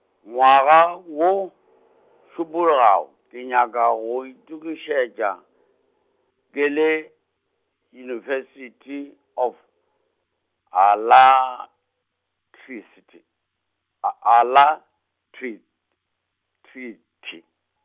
ngwaga wo, šupologago, ke nyaka go itukišetša, ke le University of, Alatricity, A- Alacrit-, -crity.